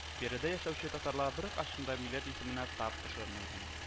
Биредә яшәүче татарлар беркайчан да милләт исеменә тап төшермәгән